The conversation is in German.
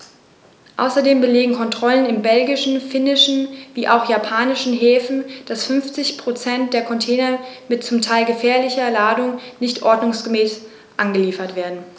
Außerdem belegen Kontrollen in belgischen, finnischen wie auch in japanischen Häfen, dass 50 % der Container mit zum Teil gefährlicher Ladung nicht ordnungsgemäß angeliefert werden.